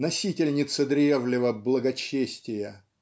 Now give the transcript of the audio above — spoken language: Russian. носительница древлего благочестия.